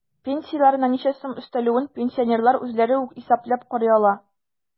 Пенсияләренә ничә сум өстәлүен пенсионерлар үзләре үк исәпләп карый ала.